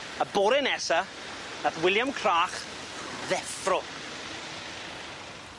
y bore nesa nath William Crach ddeffro.